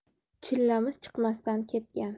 chillamiz chiqmasidan ketgan